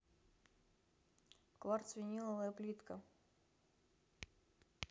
кварц виниловая плитка